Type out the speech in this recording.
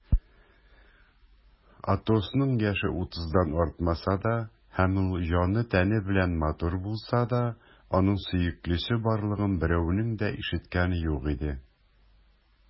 Атосның яше утыздан артмаса да һәм ул җаны-тәне белән матур булса да, аның сөеклесе барлыгын берәүнең дә ишеткәне юк иде.